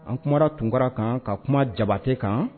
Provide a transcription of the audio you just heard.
An kuma tunkarakura kan ka kuma jabatɛ kan